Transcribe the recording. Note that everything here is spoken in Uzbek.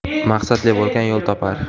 maqsadli bo'lgan yo'l topar